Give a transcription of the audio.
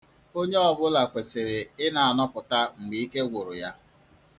Onye ọ bụla kwesịrị Ị na-anọ̀pụ̀tà mgbe ike gwụrụ ya.